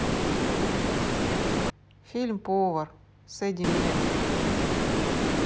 фильм повар с эдди мерфи